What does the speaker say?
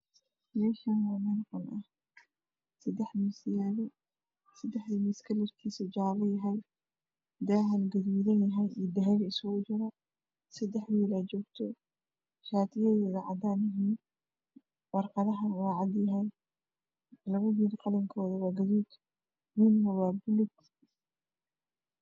Meshan waa .el qol ah waxaa yala sedax miis sedaxda mis kalr koodu yahay jale dahana waa gaduud iyo dahabi isku daran sedax wiil ayaa joohta sharar koodu yahay cadan watan warqado cadan ah